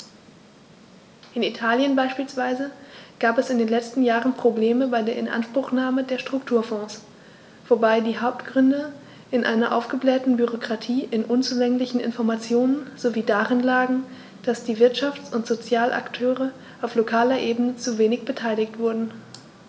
In Italien beispielsweise gab es in den letzten Jahren Probleme bei der Inanspruchnahme der Strukturfonds, wobei die Hauptgründe in einer aufgeblähten Bürokratie, in unzulänglichen Informationen sowie darin lagen, dass die Wirtschafts- und Sozialakteure auf lokaler Ebene zu wenig beteiligt wurden.